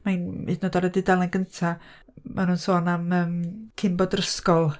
Mae'n, hyd yn oed ar y dudalen gynta, ma' nhw'n sôn am yym, cyn bod yr ysgol...